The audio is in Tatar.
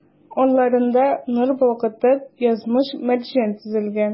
Алларыңда, нур балкытып, язмыш-мәрҗән тезелгән.